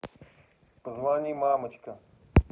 позвони мамочка